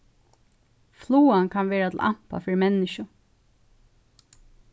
flugan kann vera til ampa fyri menniskju